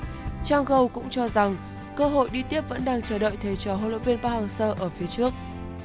trang gâu cũng cho rằng cơ hội đi tiếp vẫn đang chờ đợi thầy trò huấn luyện viên phắc hang sơ ở phía trước